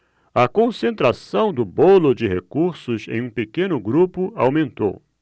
a concentração do bolo de recursos em um pequeno grupo aumentou